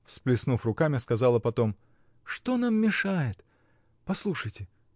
— всплеснув руками, сказала потом. — Что нам мешает! Послушайте.